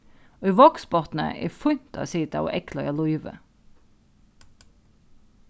í vágsbotni er fínt at sita og eygleiða lívið